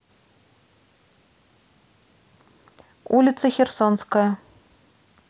улица херсонская